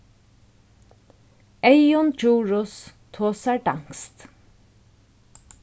eyðun djurhuus tosar danskt